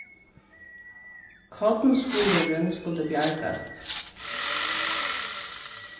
kornskurðurin skuldi bjargast